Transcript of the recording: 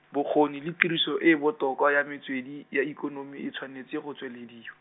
bokgoni le tiriso e e botoka ya metswedi ya ikonomi e tshwanetse go tswelediw-.